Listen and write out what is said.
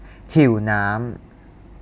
หิวน้ำ